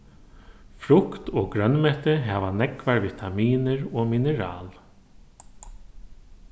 frukt og grønt hava nógvar vitaminir og mineral